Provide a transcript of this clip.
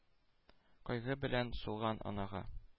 Кайгы белән сулган анага.